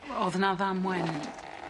O'dd yna ddamwen.